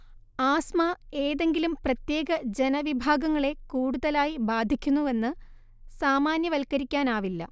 asthma ഏതെങ്കിലും പ്രത്യേക ജനവിഭാഗങ്ങളെ കൂടുതലായി ബാധിക്കുന്നുവെന്ന് സാമാന്യവൽക്കരിക്കാനാവില്ല